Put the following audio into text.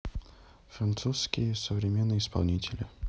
французские современные исполнители